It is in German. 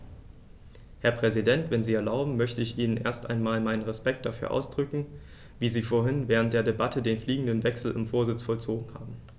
Herr Präsident, wenn Sie erlauben, möchte ich Ihnen erst einmal meinen Respekt dafür ausdrücken, wie Sie vorhin während der Debatte den fliegenden Wechsel im Vorsitz vollzogen haben.